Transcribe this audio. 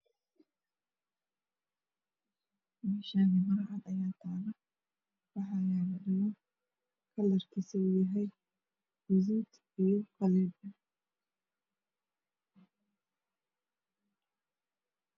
Meshan maro cad aya talo waxayalo dhego kalarkis oow yahay gaduud io qalin